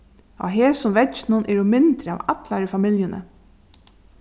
á hesum vegginum eru myndir av allari familjuni